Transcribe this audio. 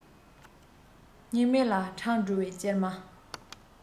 སྙིང མེད ལ འཕྲང སྒྲོལ བའི སྐྱེལ མ